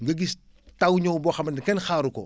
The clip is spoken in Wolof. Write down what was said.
nga gis taw énëw boo xamane kenn xaaru ko